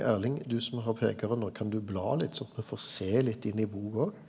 Erling du som har peikaren nå kan du bla litt sånn at me får sjå litt inni boka òg.